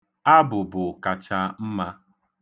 Abụbụ kacha mma.